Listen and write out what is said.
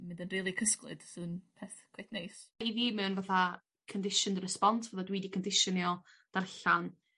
mynd yn rili cysglyd sydd yn peth peth neis. I fi mae o'n fatha conditioned respnse t'mod dwi 'di cyndisiynio darllan